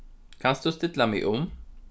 kanst tú stilla meg um